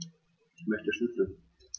Ich möchte Schnitzel.